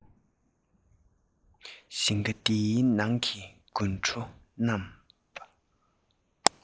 ཞིང ཁ འདིའི ནང གི དགུན གྲོ རྣམས